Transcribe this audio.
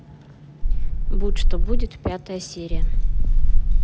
будь что будет пятая серия